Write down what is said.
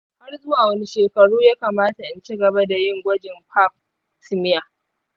har zuwa wane shekaru ya kamata in ci gaba da yin gwajin pap smear?